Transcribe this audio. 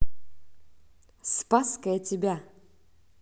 спасская тебя